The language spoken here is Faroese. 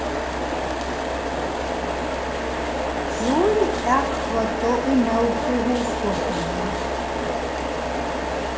trý atkvøddu ímóti hugskotinum